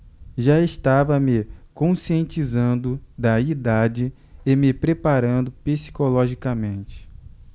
já estava me conscientizando da idade e me preparando psicologicamente